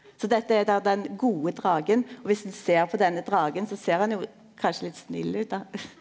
så dette er då den gode draken og viss ein ser på denne draken så ser han jo kanskje litt snill ut då .